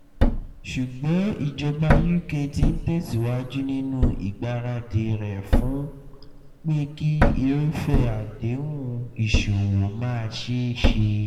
Ṣùgbọ́n Ìjọba UK tí ń tẹ̀síwájú nínú ìgbaradì rẹ̀ fún pé kí irúfẹ́ àdéhùn ìṣòwò má ṣeéṣe.